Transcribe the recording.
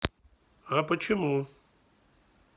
а почему